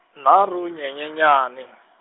nharhu Nyenyenyani.